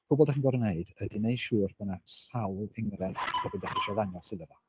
Cwbl dach chi'n gorfod wneud ydy wneud siŵr bo' 'na sawl enghraifft o be dach chi isio ddangos iddo fo.